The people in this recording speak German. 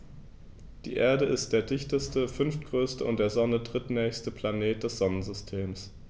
Die Erde ist der dichteste, fünftgrößte und der Sonne drittnächste Planet des Sonnensystems.